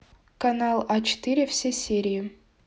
канал а четыре все серии